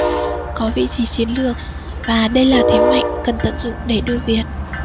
có vị trí chiến lược và đây là thế mạnh cần tận dụng để đưa việt